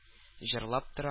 Җырлап тора